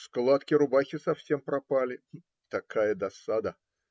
Складки рубахи совсем пропали. Такая досада!